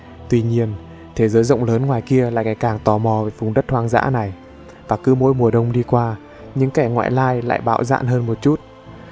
tuy nhiên thế giới rộng lớn ngoài kia lại ngày càng tò mò về vùng đất hoang dã này và cứ mỗi mùa đông qua đi những kẻ ngoại lai lại bạo dạng hơn một chút